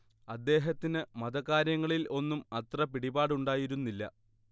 അദ്ദേഹത്തിന് മതകാര്യങ്ങളിൽ ഒന്നും അത്ര പിടിപാടുണ്ടായിരുന്നില്ല